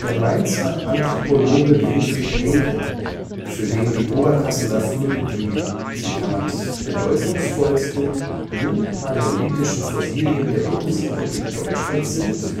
Mainzer Anthropologe Winfried Henke, für den die Oberkasseler Funde die „ bedeutungsvollsten jungpaläolithischen Fossilien der Bundesrepublik Deutschland “sind